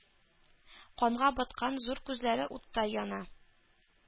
Канга баткан зур күзләре уттай яна.